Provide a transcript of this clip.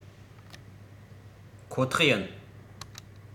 ཁོ ཐག ཡིན